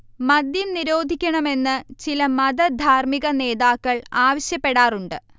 മദ്യം നിരോധിക്കണമെന്ന് ചില മത ധാർമ്മികനേതാക്കൾ ആവശ്യപ്പെടാറുണ്ട്